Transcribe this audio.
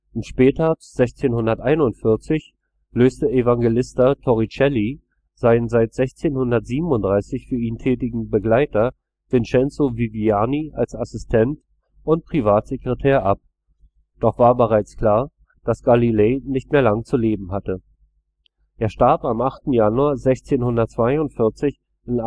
Im Spätherbst 1641 löste Evangelista Torricelli seinen seit 1637 für ihn tätigen Begleiter Vincenzo Viviani als Assistent und Privatsekretär ab, doch war bereits klar, dass Galilei nicht mehr lang zu leben hatte. Er starb am 8. Januar 1642 in